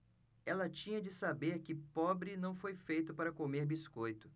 ela tinha de saber que pobre não foi feito para comer biscoito